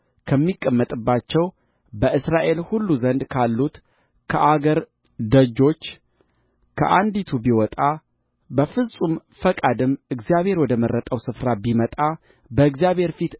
ከሚቀመጥባቸው በእስራኤል ሁሉ ዘንድ ካሉት ከአገር ደጆች ከአንዲቱ ቢወጣ በፍጹም ፈቃድም እግዚአብሔር ወደ መረጠው ስፍራ ቢመጣ በእግዚአብሔር ፊት